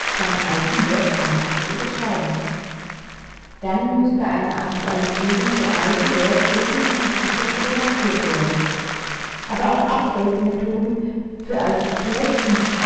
Wert einfach zu überschreiben. Dann muss bei einer Aktualisierung der alte Wert irgendwie gesichert oder markiert werden. Aber auch Update-Methoden für als Collections